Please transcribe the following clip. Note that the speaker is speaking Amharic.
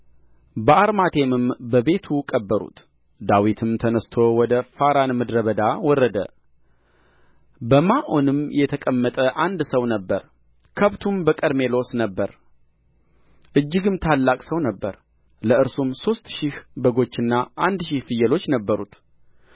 በአርማቴምም በቤቱ ቀበሩት ዳዊትም ተነሥቶ ወደ ፋራን ምድረ በዳ ወረደ በማዖንም የተቀመጠ አንድ ሰው ነበረ ከብቱም በቀርሜሎስ ነበረ እጅግም ታላቅ ሰው ነበረ ለእርሱም ሦስት ሺህ በጎችና አንድ ሺህ ፍየሎች ነበሩት